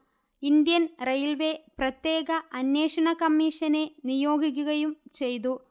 Indian railway പ്രത്യേക അന്വേഷണ കമ്മിഷനെ നിയോഗിക്കുകയും ചെയ്തു